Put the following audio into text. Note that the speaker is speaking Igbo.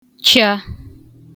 kcha